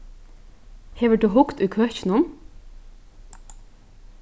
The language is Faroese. hevur tú hugt í køkinum